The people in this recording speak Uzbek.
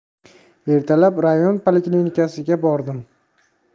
ertalab rayon poliklinikasiga bordim